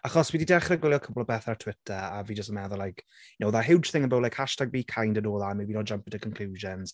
Achos fi 'di dechrau gwylio cwpl o bethau ar Twitter, a fi jyst yn meddwl like you know that huge thing about like, hashtag be kind and all that maybe not jumping to conclusions.